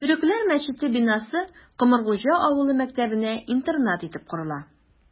Төрекләр мәчете бинасы Комыргуҗа авылы мәктәбенә интернат итеп корыла...